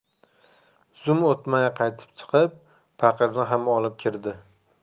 zum o'tmay qaytib chiqib paqirni ham olib kirdi